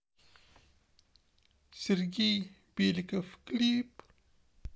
сергей беликов клип